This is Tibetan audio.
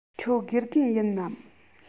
ཁྱོད དགེ རྒན ཡིན ནམ